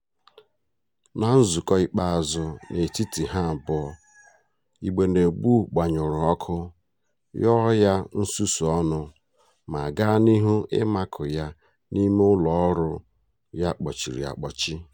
Na nzukọ ikpeazụ n'etiti ha abụọ, Igbenegbu gbanyụrụ ọkụ, yọọ ya nsusu ọnụ ma gaa n'ihu ịmakụ ya n'ime ụlọ ọrụ ya kpọchiri akpọchi.